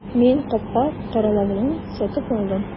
Мин капка каравылын сатып алдым.